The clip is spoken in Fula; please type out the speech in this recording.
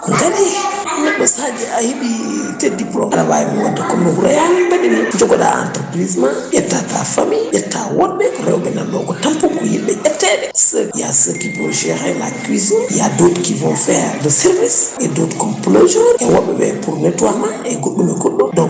kadi yimɓeɓe saahaji a heeɓi tes diplomes aɗa wawi wonde comme no Hourye Aw en mbaɗi ni jogoɗa entreprise ma ƴetta ta famille ƴetta wodɓe rewɓe nanɗo ko tampuɓe yidɓe ƴettede ya ceux qui peuvent géré la cuisine y a d' autres qui vont faire de service e d' autres comme plongeurs e wodɓeɓe pour nettoiement e goɗɗum e goɗɗum